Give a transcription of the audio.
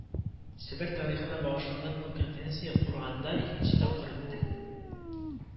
Себер тарихына багышланган бу конференция Курганда икенче тапкыр үтте